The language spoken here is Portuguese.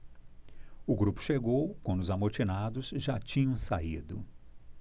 o grupo chegou quando os amotinados já tinham saído